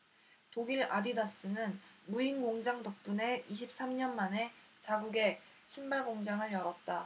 독일 아디다스는 무인공장 덕분에 이십 삼 년 만에 자국에 신발공장을 열었다